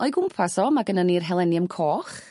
O'i gwmpas o ma' gynnon ni'r helenium coch